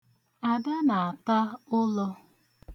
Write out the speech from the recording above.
Ada na-ata ụlọ.